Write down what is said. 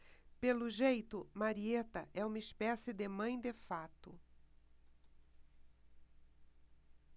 pelo jeito marieta é uma espécie de mãe de fato